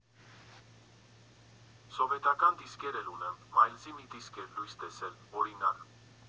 Սովետական դիսկեր էլ ունեմ, Մայլզի մի դիսկ էր լույս տեսել, օրինակ։